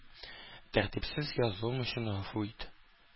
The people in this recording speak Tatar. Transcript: Тәртипсез язуым өчен гафу ит.